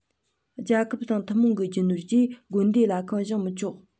རྒྱལ ཁབ དང ཐུན མོང གི རྒྱུ ནོར གྱིས དགོན སྡེ ལྷ ཁང བཞེངས མི ཆོག